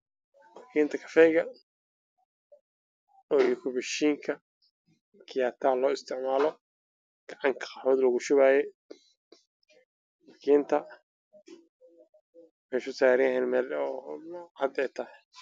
Waa birta cafeega ama kobashiinka